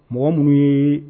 Mɔgɔ mun ye